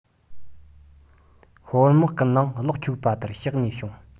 ཧོར དམག གི ནང གློག འཁྱུག པ ལྟར བཤགས ནས བྱུང